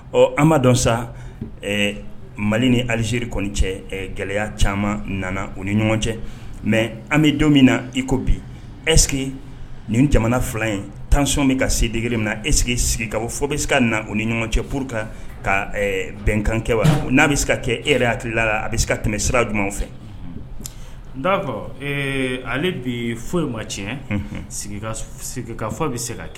Ɔ dɔn sa mali ni alizeri kɔni cɛ gɛlɛya caman nana u ni ɲɔgɔn cɛ mɛ an bɛ don min na iko bi esi nin jamana fila in tanson min ka sedg min na e sigi sigi ka fɔ bɛ se ka na u ni ɲɔgɔn cɛ pkan ka bɛnkankɛ wa n'a bɛ se ka kɛ e yɛrɛ hakilila la a bɛ se ka tɛmɛ sira jumɛn fɛ n'a fɔ ale bi foyi in ma tiɲɛ fɔ bɛ se ka kɛ